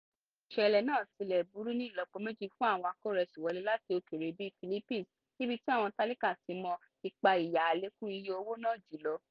Ìṣẹ̀lẹ̀ náà tilẹ̀ burú ní ìlọ́po méjì fún àwọn akórẹsìwọlé láti òkèèrè bíi Philippines, níbi tí àwọn tálákà ti mọ ipa ìyá àlékún iye owó náà jùlọ.